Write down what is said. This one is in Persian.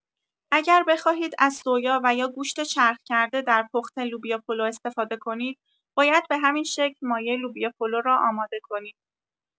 اگر بخواهید از سویا و یا گوشت چرخ کرده در پخت لوبیا پلو استفاده کنید باید به همین شکل مایه لوبیا پلو را آماده کنید.